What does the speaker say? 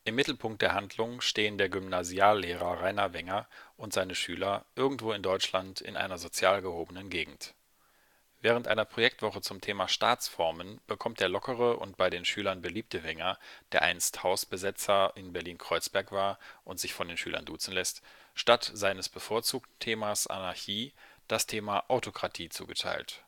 Mittelpunkt der Handlung stehen der Gymnasiallehrer Rainer Wenger und seine Schüler, irgendwo in Deutschland in einer sozial gehobenen Gegend. Während einer Projektwoche zum Thema „ Staatsformen “bekommt der lockere und bei den Schülern beliebte Wenger, der einst Hausbesetzer in Berlin-Kreuzberg war und sich von den Schülern duzen lässt, statt seines bevorzugten Themas Anarchie das Thema Autokratie zugeteilt